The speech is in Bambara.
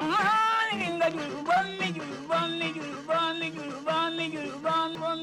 Wa kun kun wa ba ba